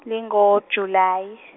lingo Julayi.